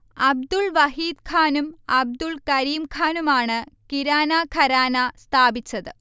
അബ്ദുൽ വഹീദ്ഖാനും അബ്ദുൽ കരീംഖാനുമാണ് കിരാന ഘരാന സ്ഥാപിച്ചത്